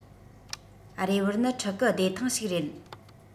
རེ བར ནི ཕྲུ གུ བདེ ཐང ཞིག རེད